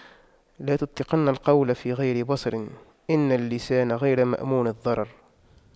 لا تطلقن القول في غير بصر إن اللسان غير مأمون الضرر